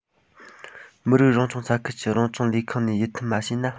མི རིགས རང སྐྱོང ས གནས ཀྱི རང སྐྱོང ལས ཁུངས ནས ཡིད མཐུན མ བྱས ན